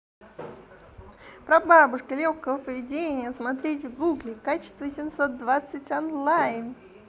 прабабушка легкого поведения смотреть в гугле качество семьсот двадцать онлайн